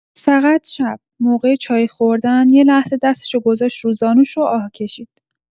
فقط شب، موقع چایی خوردن، یه لحظه دستشو گذاشت رو زانوش و آه کشید.